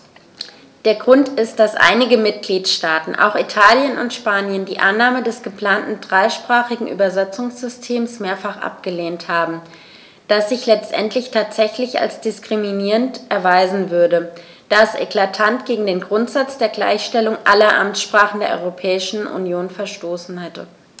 Der Grund ist, dass einige Mitgliedstaaten - auch Italien und Spanien - die Annahme des geplanten dreisprachigen Übersetzungssystems mehrfach abgelehnt haben, das sich letztendlich tatsächlich als diskriminierend erweisen würde, da es eklatant gegen den Grundsatz der Gleichstellung aller Amtssprachen der Europäischen Union verstoßen hätte.